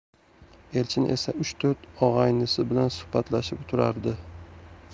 elchin esa uch to'rt og'aynisi bilan suhbatlashib turardi